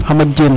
Hamad Diéne